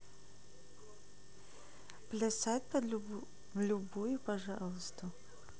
плясать под любую пожалуйста